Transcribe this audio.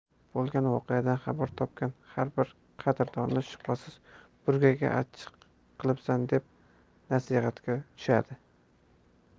bo'lgan voqeadan xabar topgan har bir qadrdoni shubhasiz burgaga achchiq qilibsan deb nasihatga tushadi